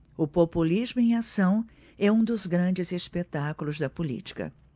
o populismo em ação é um dos grandes espetáculos da política